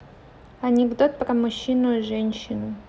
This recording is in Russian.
анекдот про мужчину и женщину